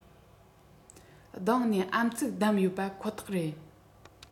སྡང ནས ཨམ གཙིགས བསྡམས ཡོད པ ཁོ ཐག རེད